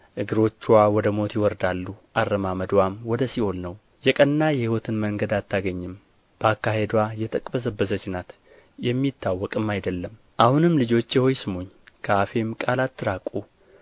እግሮችዋ ወደ ሞት ይወርዳሉ አረማመድዋም ወደ ሲኦል ነው የቀና የሕይወትን መንገድ አታገኝም በአካሄድዋ የተቅበዘበዘች ናት የሚታወቅም አይደለም አሁንም ልጆቼ ሆይ ስሙኝ ከአፌም ቃል አትራቁ